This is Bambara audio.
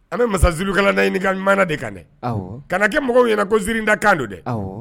An bɛ masa zurukala na ɲinika ɲuman de kan dɛ kana kɛ mɔgɔw ɲɛna ko ziiri da kan don dɛ